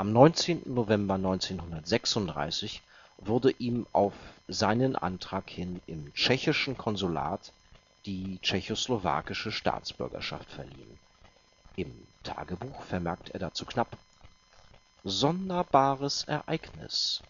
19. November 1936 wurde ihm auf seinen Antrag hin im tschechischen Konsulat die tschechoslowakische Staatsbürgerschaft verliehen. Im Tagebuch vermerkt er dazu knapp: „ Sonderbares Ereignis